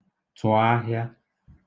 tụ̀ ahịa